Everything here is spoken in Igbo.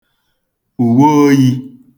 ùwe oyī